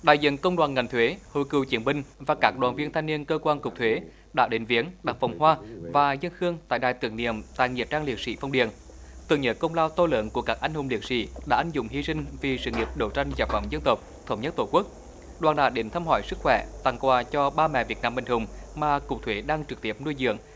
đại diện công đoàn ngành thuế hội cựu chiến binh và các đoàn viên thanh niên cơ quan cục thuế đã đến viếng đặt vòng hoa và dâng hương tại đài tưởng niệm tại nghĩa trang liệt sỹ phong điền tưởng nhớ công lao to lớn của các anh hùng liệt sỹ đã anh dũng hy sinh vì sự nghiệp đấu tranh giải phóng dân tộc thống nhất tổ quốc đoàn đã đến thăm hỏi sức khỏe tặng quà cho ba mẹ việt nam anh hùng mah cục thuế đang trực tiếp nuôi dưỡng